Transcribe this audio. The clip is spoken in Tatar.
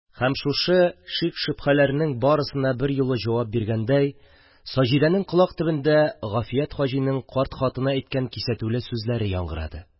Һәм шушы шик-шөбһәләрнең барысына берьюлы җавап биргәндәй, Саҗидәнең колак төбендә Гафият хаҗиның карт хатыны әйткән кисәтүле сүзләре яңгырады: